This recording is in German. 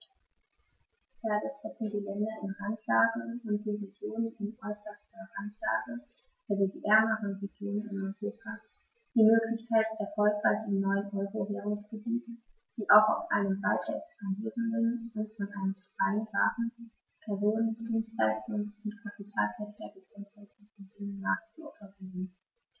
Dadurch hätten die Länder in Randlage und die Regionen in äußerster Randlage, also die ärmeren Regionen in Europa, die Möglichkeit, erfolgreich im neuen Euro-Währungsgebiet wie auch auf einem weiter expandierenden und von einem freien Waren-, Personen-, Dienstleistungs- und Kapitalverkehr gekennzeichneten Binnenmarkt zu operieren.